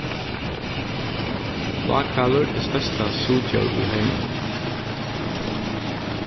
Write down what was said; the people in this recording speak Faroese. bláhvalur er størsta súgdjór í heiminum